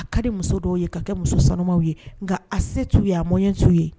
A kari di muso dɔw ye ka kɛ muso sanuw ye nka a se t'u ye a mɔɲ t' ye